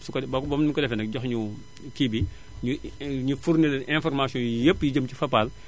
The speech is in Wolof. su ko de ba mu ñu ko defee nag jox ñu kii bi ñu ñu fournir leen informations yi yépp yu jëm ci Fapal